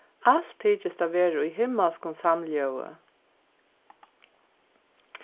alt tyktist at vera í himmalskum samljóði